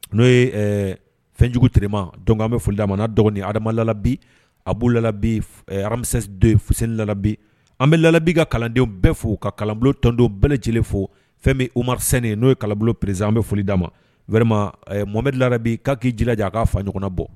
N'o ye fɛnjugu tma dɔn bɛ foli' ma dɔgɔnin hadamalabi abubi hami fulabi an bɛ labi ka kalandenw bɛɛ fo ka kalan tɔnontɔn bɛɛ lajɛlenele fo fɛn bɛ umasennin ye n'o ye peresi an bɛ foli' aa ma walima mo la k'a k'i ji a k kaa fa ɲɔgɔnna bɔ